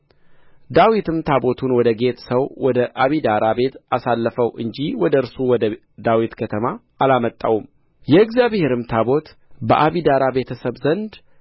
ዳዊትም ታቦቱን ወደ ጌት ሰው ወደ አቢዳራ ቤት አሳለፈው እንጂ ወደ እርሱ ወደ ዳዊት ከተማ አላመጣውም የእግዚአብሔርም ታቦት በአቢዳራ ቤተሰብ ዘንድ